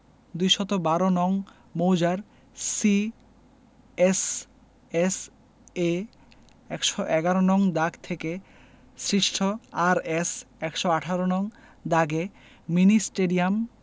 ২১২ নং মৌজার C S S A ১১১ নং দাগ থেকে সৃষ্ট আরএস ১১৮ নং দাগে মিনি স্টেডিয়াম